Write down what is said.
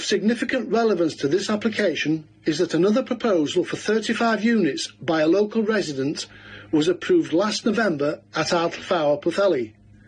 Of significant relevance to this application is that another proposal for thirty-five units by a local resident was approved last November at Ardd Fawr Pwtheli.